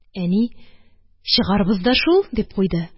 Әни: – Чыгарбыз да шул! – дип куйды